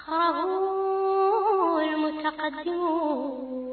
San mɔmu